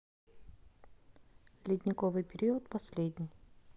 ледниковый период последний